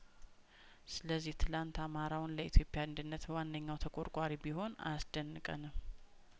ስለዚህ ትናንት አማራውን ለኢትዮጵያ አንድነት ዋነኛው ተቆርቋሪ ቢሆን አያስደንቀንም